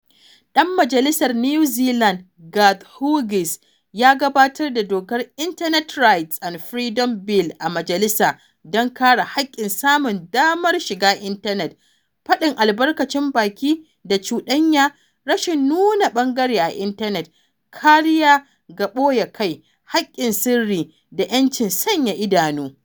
Dan majalisar New Zealand, Garth Hughes, ya gabatar da dokar Internet Rights and Freedoms Bill a majalisa, don kare haƙƙin samun damar shiga intanet, faɗin albarkacin baki da cuɗanya, rashin nuna ɓangare a intanet, kariya ga ɓoye kai, haƙƙin sirri da 'yancin sanya idanu.